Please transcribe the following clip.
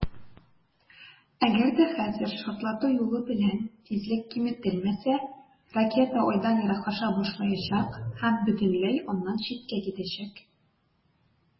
Әгәр дә хәзер шартлату юлы белән тизлек киметелмәсә, ракета Айдан ераклаша башлаячак һәм бөтенләй аннан читкә китәчәк.